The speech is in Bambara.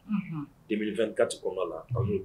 Unhun, 2024 kɔnɔna la an ye